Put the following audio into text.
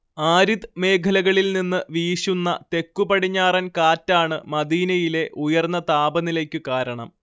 arid മേഖലകളിൽ നിന്ന് വീശുന്ന തെക്കുപടിഞ്ഞാറൻ കാറ്റാണ്‌ മദീനയിലെ ഉയർന്ന താപനിലയ്ക്ക് കാരണം